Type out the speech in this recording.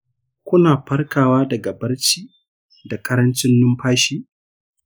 kuna farkawa daga barci da ƙarancin numfashi?"